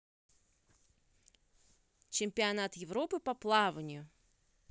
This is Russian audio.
чемпионат европы по плаванию